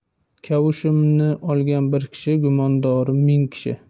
kavushimni olgan bir kishi gumondorim ming kishi